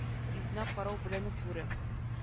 Йөзенә карау белән үк бүре